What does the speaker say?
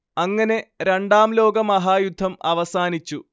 അങ്ങനെ രണ്ടാം ലോകമഹായുദ്ധം അവസാനിച്ചു